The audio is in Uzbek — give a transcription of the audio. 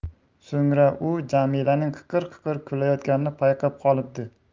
so'ngra u jamilaning qiqir qiqir kulayotganini payqab qolibdi